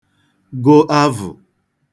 gụ avụ̀